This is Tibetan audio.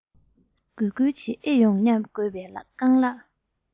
འགུལ འགུལ བྱེད ཨེ འོང སྙམ དགོས པའི རྐང ལག